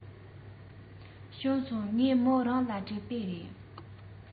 བྱུང སོང ངས མོ རང ལ སྤྲད པ ཡིན